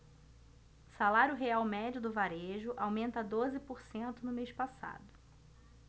salário real médio do varejo aumenta doze por cento no mês passado